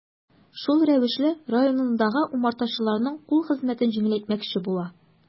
Шул рәвешле районындагы умартачыларның кул хезмәтен җиңеләйтмәкче була.